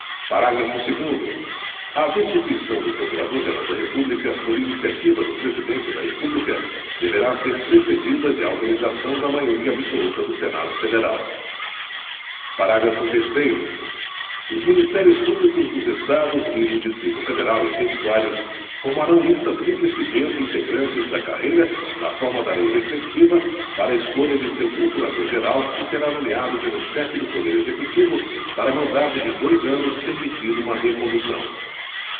parágrafo segundo a destituição do procurador geral da república por iniciativa do presidente da república deverá ser precedida de autorização da maioria absoluta do senado federal parágrafo terceiro os ministérios públicos dos estados e do distrito federal e territórios formarão lista tríplice dentre integrantes da carreira na forma da lei respectiva para escolha de seu procurador geral que será nomeado pelo chefe do poder executivo para mandato de dois anos permitida uma recondução